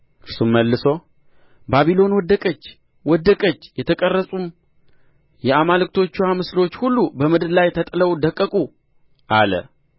እርሱም መልሶ ባቢሎን ወደቀች ወደቀች የተቀረጹም የአማልክቶችዋ ምስሎች ሁሉ በምድር ላይ ተጥለው ደቀቁ አለ